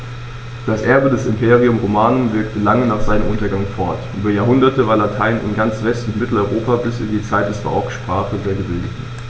Dieses Erbe des Imperium Romanum wirkte lange nach seinem Untergang fort: Über Jahrhunderte war Latein in ganz West- und Mitteleuropa bis in die Zeit des Barock die Sprache der Gebildeten.